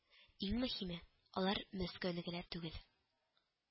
Иң мөһиме, алар Мәскәүнекеләр түгел